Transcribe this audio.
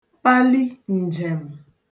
pali ǹjèm̀